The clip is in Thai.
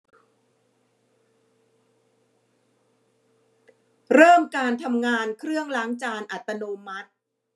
เริ่มการทำงานเครื่องล้างจานอัตโนมัติ